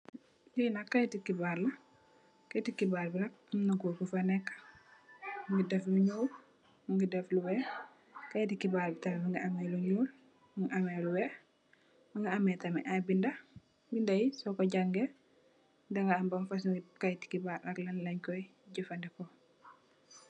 Lee nak kayete kebarr la keyete kebarr be nak amna goor bufa neka muge def lu nuul muge def lu weex keyete kebarr tamin muge ameh lu nuul muge ameh lu weex muge ameh tamin aye beda beda ye soku jange daga ham ban fosung keyete kebarr ak lanlenkoye jufaneku.